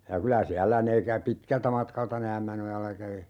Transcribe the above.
ja kyllä siellä ne - pitkältä matkalta ne Ämmänojalla kävi